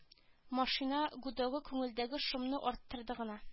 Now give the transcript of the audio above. Машина гудогы күңелдәге шомны арттырды гына